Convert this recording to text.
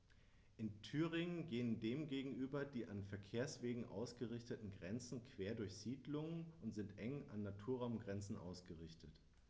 In Thüringen gehen dem gegenüber die an Verkehrswegen ausgerichteten Grenzen quer durch Siedlungen und sind eng an Naturraumgrenzen ausgerichtet.